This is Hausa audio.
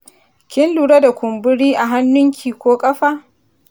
kin lura da kumburi a hannunki ko ƙafa?